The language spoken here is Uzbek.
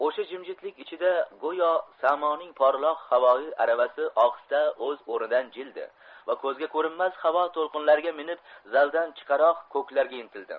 o'sha jimjitlik ichida go'yo samoning porloq havoyi aravasi ohista o'z o'midan jildi va ko'zga ko'rinmas havo to'lqinlariga minib zaldan chiqaroq ko'klarga intildi